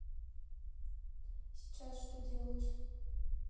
сейчас что делаешь